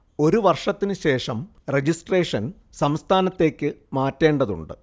ഒരു വർഷത്തിന് ശേഷം രജിസ്ഷ്രേൻ സംസ്ഥാനത്തേക്ക് മാറ്റേണ്ടതുണ്ട്